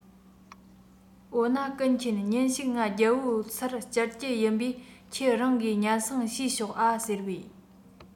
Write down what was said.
འོ ན སྐུ མཁྱེན ཉིན ཞིག ང རྒྱལ པོའོ སར བཅར གྱི ཡིན པས ཁྱེད རང གིས སྙན གསེང ཞུས ཤོག ཨྰ ཟེར བས